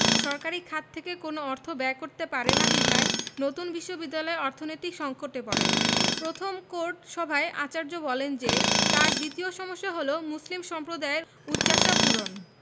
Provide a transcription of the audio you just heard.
সরকারি খাত থেকে কোন অর্থ ব্যয় করতে পারে না বিধায় নতুন বিশ্ববিদ্যালয় অর্থনৈতিক সংকটে পড়ে প্রথম কোর্ট সভায় আচার্য বলেন যে তাঁর দ্বিতীয় সমস্যা হলো মুসলিম সম্প্রদায়ের উচ্চাশা পূরণ